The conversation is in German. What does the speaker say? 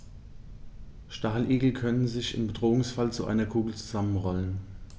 Stacheligel können sich im Bedrohungsfall zu einer Kugel zusammenrollen.